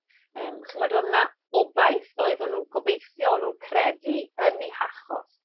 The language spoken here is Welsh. Yym ch'mod odd 'na obaith oedd o' nw'n gobeithio o' nw'n credu yn 'u hachos.